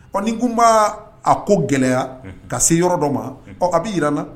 Ɔ ni n ko b'a, a ko gɛlɛya, ka se yɔrɔ dɔ ma, ɔ a bɛ jira na.